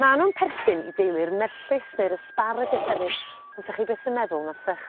Ma' nw'n perthyn i deulu'r merllys neu'r asparagus hefyd on' 'sach chi byth yn meddwl na fysech?